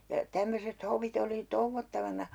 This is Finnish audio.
ja tämmöiset hovit oli touottavana